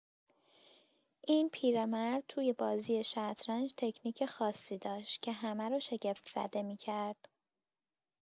این پیرمرد تو بازی شطرنج تکنیک خاصی داشت که همه رو شگفت‌زده می‌کرد.